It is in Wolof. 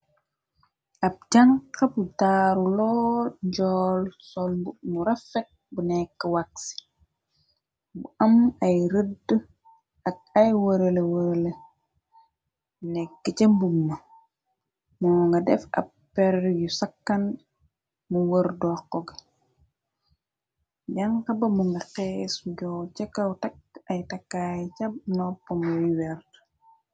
Ab jànxabu daaru loo jool sol b nu rafet bu nekk wàksi bu am ay rëdd ak ay wërale wërle nekk ca mbum ne moo nga def ab për yu sakkan nu wër doko gi jànxa ba mu nga xees joo cëkaw takk ay takaay ca noppamo yu werd.